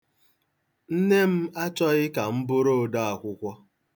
Nne m achọghị ka m bụrụ odaakwụkwọ.